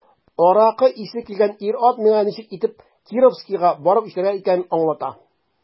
Аракы исе килгән ир-ат миңа ничек итеп Кировскига барып җитәргә икәнен аңлата.